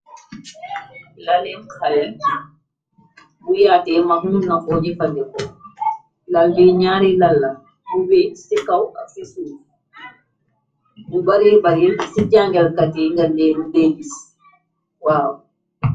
Laleen xalle bu yaatee, mag nu nakoo jefandeko. Lal bi , ñaari lal la bu weeñ ci kaw ak fi suuf bu bare baril ci jàngelkati nga leen deegis waab.